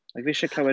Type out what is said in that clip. Like fi isie clywed...